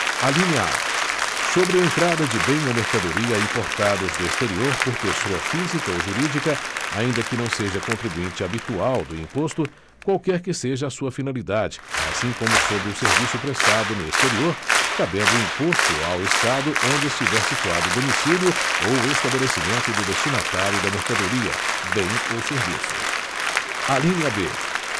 alínea a sobre a entrada de bem ou mercadoria importados do exterior por pessoa física ou jurídica ainda que não seja contribuinte habitual do imposto qualquer que seja a sua finalidade assim como sobre o serviço prestado no exterior cabendo o imposto ao estado onde estiver situado o domicílio ou o estabelecimento do destinatário da mercadoria bem ou serviço alínea b